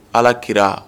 Ala kɛrara